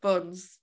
Buns.